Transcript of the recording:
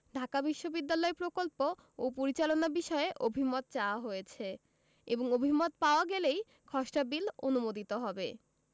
ঢাকা বিশ্ববিদ্যালয় প্রকল্প ও পরিচালনা বিষয়ে অভিমত চাওয়া হয়েছে এবং অভিমত পাওয়া গেলেই খসড়া বিল অনুমোদিত হবে